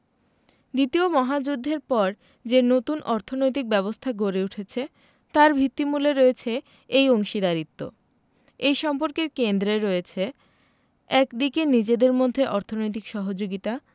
দ্বিতীয় মহাযুদ্ধের পর যে নতুন অর্থনৈতিক ব্যবস্থা গড়ে উঠেছে তার ভিত্তিমূলে রয়েছে এই অংশীদারত্ব এই সম্পর্কের কেন্দ্রে রয়েছে একদিকে নিজেদের মধ্যে অর্থনৈতিক সহযোগিতা